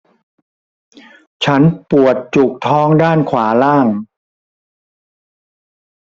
ฉันปวดจุกท้องด้านขวาล่าง